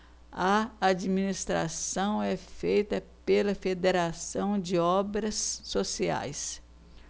a administração é feita pela fos federação de obras sociais